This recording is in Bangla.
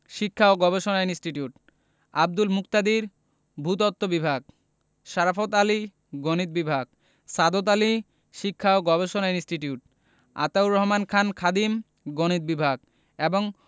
শিক্ষা ও গবেষণা ইনস্টিটিউট আব্দুল মুকতাদির ভূ তত্ত্ব বিভাগ শরাফৎ আলী গণিত বিভাগ সাদত আলী শিক্ষা ও গবেষণা ইনস্টিটিউট আতাউর রহমান খান খাদিম গণিত বিভাগ এবং